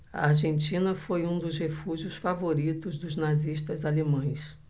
a argentina foi um dos refúgios favoritos dos nazistas alemães